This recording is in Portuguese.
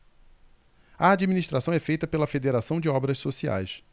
a administração é feita pela fos federação de obras sociais